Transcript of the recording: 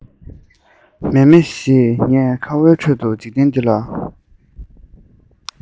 མཱེ མཱེ ཞེས ངས ཁ བའི ཁྲོད དུ འཇིག རྟེན འདི ལ